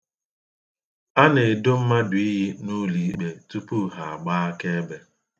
A na-edo mmadụ iyi n'ụlọikpe tupu ha agbaa akaebe.